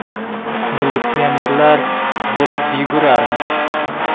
militsionerlar yelib yugurarmish